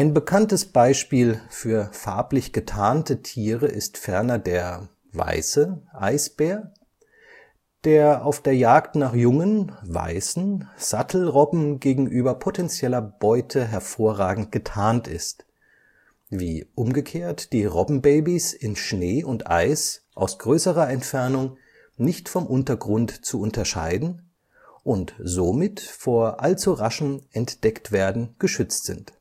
bekanntes Beispiel für farblich getarnte Tiere ist ferner der (weiße) Eisbär, der auf der Jagd nach jungen (weißen) Sattelrobben gegenüber potenzieller Beute hervorragend getarnt ist, wie umgekehrt die Robbenbabys in Schnee und Eis aus größerer Entfernung nicht vom Untergrund zu unterscheiden und somit vor allzu raschem Entdecktwerden geschützt sind